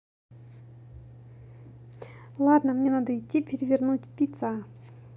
ладно мне надо идти перевернуть пицца